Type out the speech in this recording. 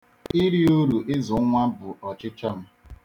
Iri uru izụ nwa bụ ọchichọ m.